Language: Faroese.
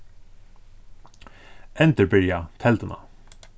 endurbyrja telduna